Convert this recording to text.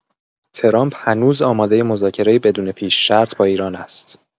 ترامپ هنوز آماده مذاکره بدون پیش‌شرط با ایران است.